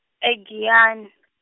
e- Giyani .